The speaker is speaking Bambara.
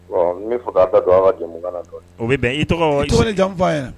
Ɔ nbe fɛ ka da don a ka jɛmukan na dɔɔni bɛn i tɔgɔ tɔgɔ jamu f' a ye.